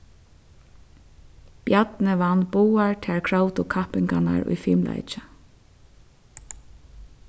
bjarni vann báðar tær kravdu kappingarnar í fimleiki